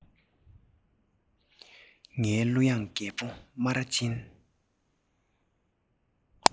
ངའི གླུ དབྱངས རྒད པོ སྨ ར ཅན